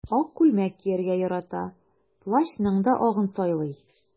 Ак күлмәк кияргә ярата, плащның да агын сайлый.